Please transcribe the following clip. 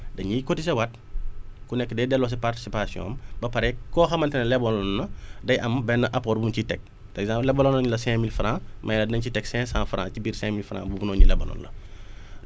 dañuy cotiser waat ku nekk day delloo siparticipation am ba pare koo xamante ne leboon na day am benn apport bu mu ciy teg exemple lebaloon nañ la cinq mille franc mais dinañ si teg cinq cent franc ci biir cinq mille franc boobu noonu ñu lebaloon la